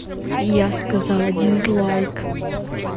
я сказала дизлайк